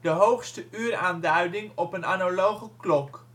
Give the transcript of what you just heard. hoogste uuraanduiding op een analoge klok